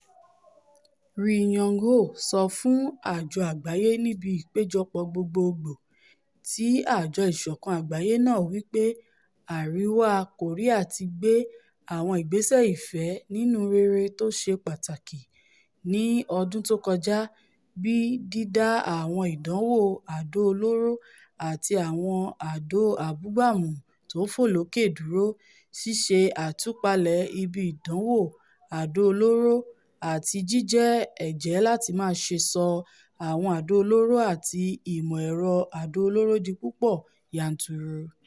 Ri Yong Ho sọ fún àjọ àgbáyé níbi Ìpéjọpọ̀ Gbogbogbòò ti Àjọ Ìṣọ̀kan Àgbáyé náà wí pé Àríwá Kòríà ti gbé ''àwọn ìgbésẹ̀ ìfẹ́ inú rere tóṣe pàtàkì'' ní ọdún tókọjá, bíi dídá àwọn ìdánwò àdó olóró àti àwọn àdó abúgbàmu tóńfòlókè dúró, ṣíṣe àtúpalẹ̀ ibi ìdánwò àdó olóró, àti jíjẹ́ ẹjẹ́ láti máṣe ṣọ àwọn àdó olóró àti ìmọ̀-ẹ̀rọ àdó olóró di púpọ̀ yanturu.